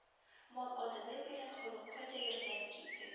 Мал азыгы белән халыкка да ярдәм иттек